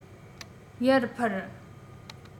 ཡར འཕར